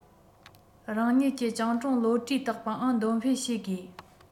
རང ཉིད ཀྱི སྤྱང གྲུང བློ གྲོས དག པའང འདོན སྤེལ བྱེད དགོས